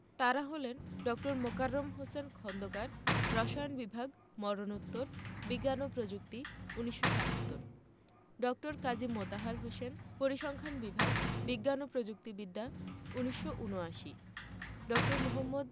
তাঁরা হলেন ড. মোকাররম হোসেন খন্দকার রসায়ন বিভাগ মরণোত্তর বিজ্ঞান ও প্রযুক্তি ১৯৭৭ ড. কাজী মোতাহার হোসেন পরিসংখ্যান বিভাগ বিজ্ঞান ও প্রযুক্তি বিদ্যা ১৯৭৯ ড. মুহম্মদ